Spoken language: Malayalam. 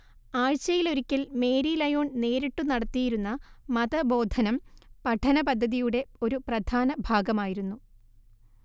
ആഴ്ചയിലൊരിക്കൽ മേരി ലയോൺ നേരിട്ടു നടത്തിയിരുന്ന മതബോധനം പഠനപദ്ധതിയുടെ ഒരു പ്രധാന ഭാഗമായിരുന്നു